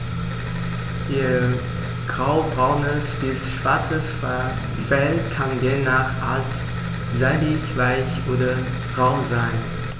Ihr graubraunes bis schwarzes Fell kann je nach Art seidig-weich oder rau sein.